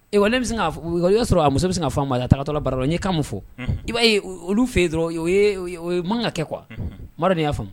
Wa ne y'a sɔrɔ a muso bɛ se ka faama ma la taatɔ bara n' ka fɔ i b'a ye olu fɛ yen dɔrɔn ye man ka kɛ kuwa mara de y'a fɔ